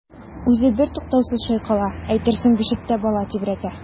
Үзе бертуктаусыз чайкала, әйтерсең бишектә бала тибрәтә.